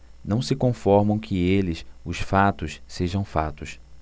não se conformam que eles os fatos sejam fatos